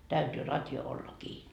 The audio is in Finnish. täytyy radio olla kiinni